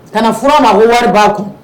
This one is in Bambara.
Kana furu a ma ko wari b'a kun